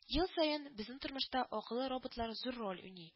Ел саен безнең тормышта акыллы роботлар зур роль уйный